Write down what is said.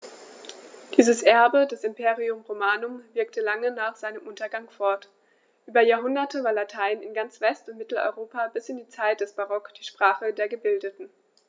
Dieses Erbe des Imperium Romanum wirkte lange nach seinem Untergang fort: Über Jahrhunderte war Latein in ganz West- und Mitteleuropa bis in die Zeit des Barock die Sprache der Gebildeten.